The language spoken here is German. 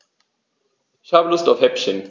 Ich habe Lust auf Häppchen.